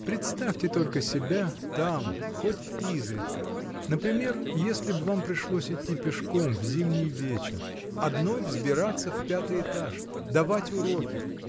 Представьте только себя там, хоть изредка: например, если б вам пришлось идти пешком в зимний вечер, одной взбираться в пятый этаж, давать уроки?